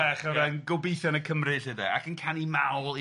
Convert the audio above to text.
...ach odd e'n gobeithio yn y Cymry lly de ac yn canu mawl i ddynion